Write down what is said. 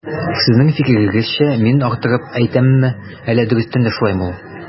Сезнең фикерегезчә мин арттырып әйтәмме, әллә дөрестән дә шулаймы ул?